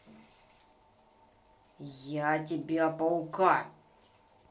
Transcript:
я тебя паука